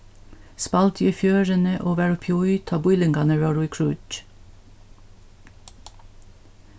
spældi í fjøruni og var uppií tá býlingarnir vóru í kríggj